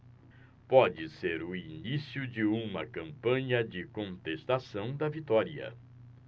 pode ser o início de uma campanha de contestação da vitória